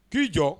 Ki jɔ.